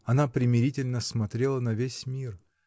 Она примирительно смотрела на весь мир.